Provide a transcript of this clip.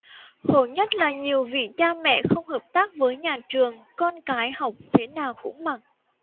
khổ nhất là nhiều vị cha mẹ không hợp tác với nhà trường con cái học thế nào cũng mặc